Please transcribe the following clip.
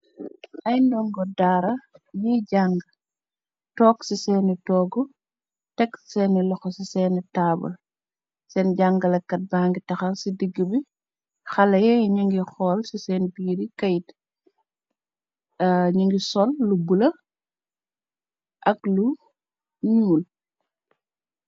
ay ndongo daara ñiy jàng toog ci seeni toog teg seeni loxo ci seeni taabul seen jàngalakat bangi taxar ci digg bi xaleye ni ngi xool ci seen biiri kayt ñi ngi sol lu bula ak lu ñuul